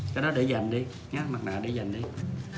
cái đó để dành đi nhá mặt nạ để dành đi